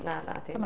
Na, nadi na.